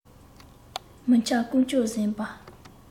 མི འཁྱར ཀུ ཅོ གཟན པ